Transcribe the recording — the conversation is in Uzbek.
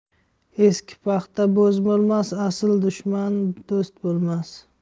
eski paxta bo'z bo'lmas asli dushman do'st bo'lmas